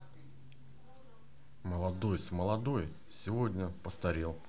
молодой с молодой